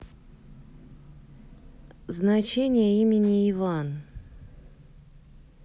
значение имени иван